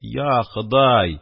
Йа, Ходай!